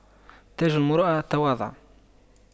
تاج المروءة التواضع